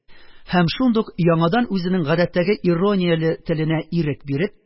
Һәм шундук, яңадан үзенең гадәттәге иронияле теленә ирек биреп